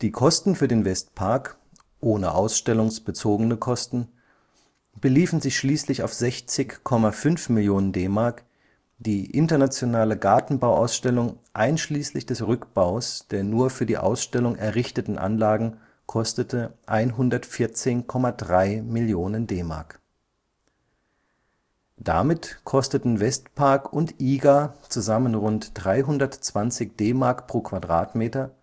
Kosten für den Westpark (ohne ausstellungsbezogene Kosten) beliefen sich schließlich auf 60,5 Millionen DM, die Internationale Gartenbauausstellung einschließlich des Rückbaus der nur für die Ausstellung errichteten Anlagen kostete 114,3 Millionen DM. Damit kosteten Westpark und IGA zusammen rund 320 DM pro Quadratmeter